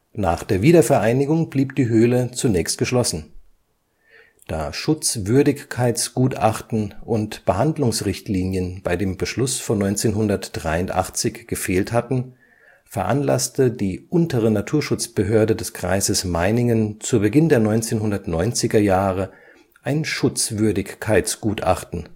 Nach der Wiedervereinigung blieb die Höhle zunächst geschlossen. Da Schutzwürdigkeitsgutachten und Behandlungsrichtlinien bei dem Beschluss von 1983 gefehlt hatten, veranlasste die Untere Naturschutzbehörde des Kreises Meiningen zu Beginn der 1990er-Jahre ein Schutzwürdigkeitsgutachten